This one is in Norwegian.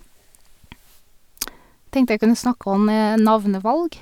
Tenkte jeg kunne snakke om navnevalg.